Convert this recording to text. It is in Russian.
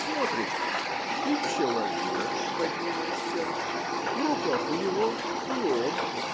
Смотрит - и человек поднялся, в руках у него лом